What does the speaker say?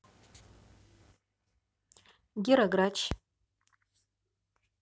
гера грач